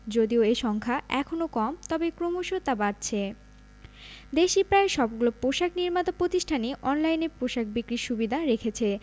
যদিও এ সংখ্যা এখনো কম তবে ক্রমশ তা বাড়ছে দেশি প্রায় সবগুলো পোশাক নির্মাতা প্রতিষ্ঠানই অনলাইনে পোশাক বিক্রির সুবিধা রেখেছে